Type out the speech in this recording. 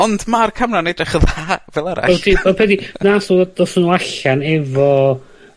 Ond ma'r camera'n edrych yn dda fel arall. Ydi. Arbennig. Na, so dothon nw allan efo